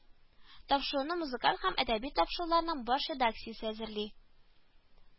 Тапшыруны музыкаль һәм әдәби тапшыруларның баш редакциясе әзерли